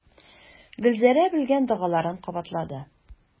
Гөлзәрә белгән догаларын кабатлады.